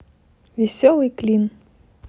веселый клин